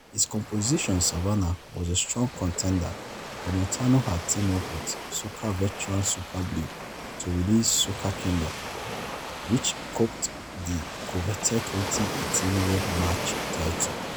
His composition, "Savannah", was a strong contender, but Montano had teamed up with soca veteran Superblue to release "Soca Kingdom", which copped the coveted 2018 Road March title.